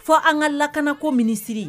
Fɔ an ka lakanako minisiri